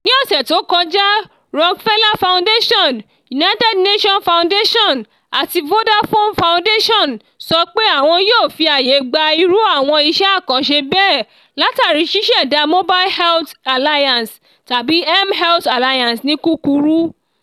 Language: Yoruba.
Ní ọ̀ṣẹ̀ tó kọjá Rockefeller Foundation, United Nations Foundation, àti Vodafone Foundation sọ pé àwọn yóò fi aàyè gba irú àwọn iṣẹ́ àkanṣe bẹ́ẹ̀ látàrí ṣíṣèdá Mobile Health Alliance (tàbí mHealth Alliance ní kúkurú).